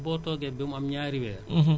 mais boo toogee ba mu am ñaari weer